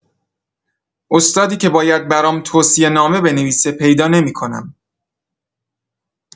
استادی که باید برام توصیه‌نامه بنویسه پیدا نمی‌کنم.